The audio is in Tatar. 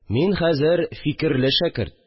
Мин хәзер фикерле шәкерт